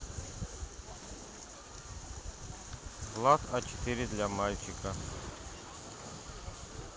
влад а четыре для мальчика